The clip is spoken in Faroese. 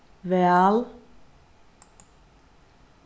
væl